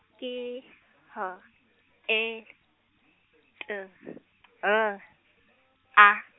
ke H , E, T , L, A.